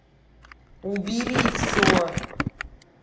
убери все